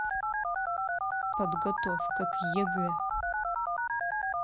подготовка к егэ